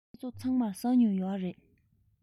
ཁྱེད ཚོ ཚང མར ས སྨྱུག ཡོད རེད